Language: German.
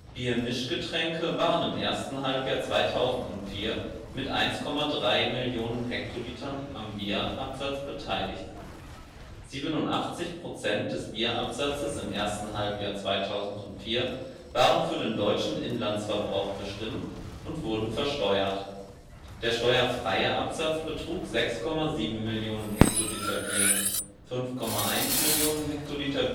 Biermischgetränke waren im ersten Halbjahr 2004 mit 1,3 Millionen hl am Bierabsatz beteiligt. 87 Prozent des Bierabsatzes im ersten Halbjahr 2004 waren für den deutschen Inlandsverbrauch bestimmt und wurden versteuert. Der steuerfreie Absatz betrug 6,7 Millionen Hektoliter Bier: 5,1 Millionen Hektoliter